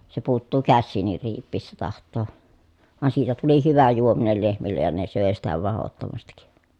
se puuttuu käsiinkin riipiessä tahtoo vaan siitä tuli hyvä juominen lehmille ja ne söi sitä mahdottomasti